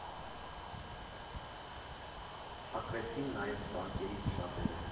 Փակվեցին նաև բանկերից շատերը։